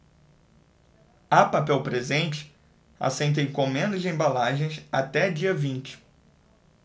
a papel presente aceita encomendas de embalagens até dia vinte